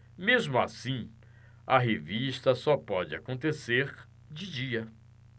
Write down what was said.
mesmo assim a revista só pode acontecer de dia